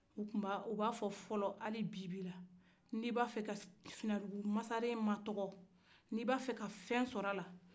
u b'a fɔ fɔlɔ hali bi bi la ni b'a fɛ ka finadugu masaren matɔgɔ ni b'a fɛ ka fen sɔrɔ a fɛ